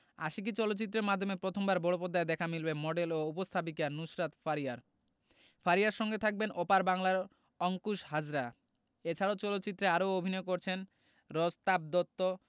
আশিকী চলচ্চিত্রের মাধ্যমে প্রথমবার বড়পর্দায় দেখা মিলবে মডেল ও উপস্থাপিকা নুসরাত ফারিয়ার ফারিয়ার সঙ্গে থাকবেন ওপার বাংলার অংকুশ হাজরা এছাড়াও চলচ্চিত্রে আরও অভিনয় করেছেন রজতাভ দত্ত